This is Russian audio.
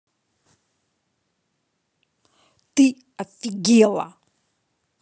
ты офигела